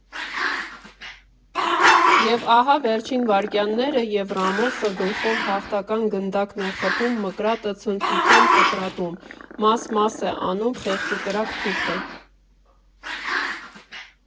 Եվ ահա, վերջին վայրկյանները և Ռամոսը գլխով հաղթական գնդակն է խփում մկրատը ցնծությամբ կտրատում, մաս֊մաս է անում խեղճուկրակ թուղթը…